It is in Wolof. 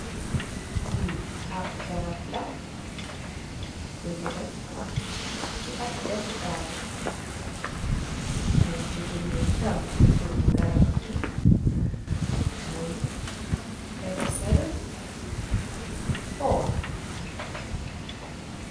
Li ap garap buñ def ci ap defukai, ñung ci binda yitam turu garab ngi moy " vega selfo".